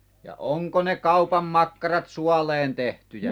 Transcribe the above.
ja onko ne kaupan makkarat suoleen tehtyjä